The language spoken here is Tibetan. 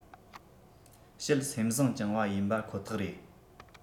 བཤད སེམས བཟང བཅངས པ ཡིན པ ཁོ ཐག རེད